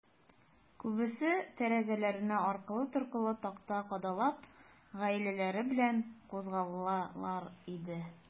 Күбесе, тәрәзәләренә аркылы-торкылы такта кадаклап, гаиләләре белән кузгалалар иде.